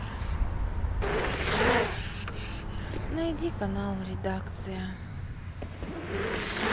найди канал редакция